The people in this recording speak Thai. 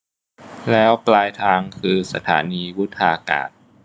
แล้วปลายทางคือสถานีวุฒากาศ